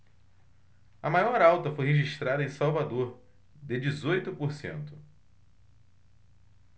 a maior alta foi registrada em salvador de dezoito por cento